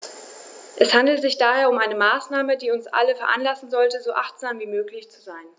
Es handelt sich daher um eine Maßnahme, die uns alle veranlassen sollte, so achtsam wie möglich zu sein.